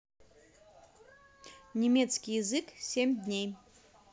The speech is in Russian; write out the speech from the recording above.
немецкий язык семь дней